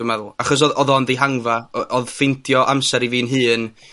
dwi meddwl. Achos odd odd o'n dihangfa, o- odd ffeindio amser i fi'n hun